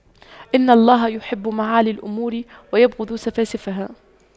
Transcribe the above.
إن الله يحب معالي الأمور ويبغض سفاسفها